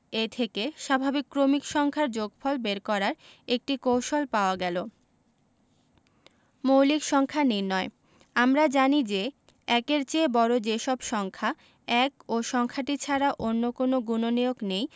এ থেকে স্বাভাবিক ক্রমিক সংখ্যার যোগফল বের করার একটি কৌশল পাওয়া গেল মৌলিক সংখ্যা নির্ণয় আমরা জানি যে ১-এর চেয়ে বড় যে সব সংখ্যা ১ ও সংখ্যাটি ছাড়া অন্য কোনো গুণনীয়ক নেই